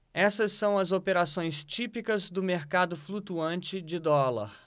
essas são as operações típicas do mercado flutuante de dólar